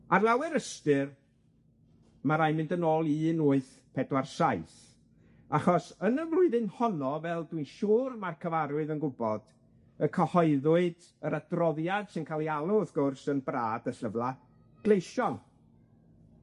Ar lawer ystyr, ma' raid mynd yn ôl i un wyth pedwar saith, achos yn y flwyddyn honno, fel dwi'n siŵr ma'r cyfarwydd yn gwbod, y cyhoeddwyd yr adroddiad sy'n ca'l 'i alw wrth gwrs yn brad y llyfla gleision.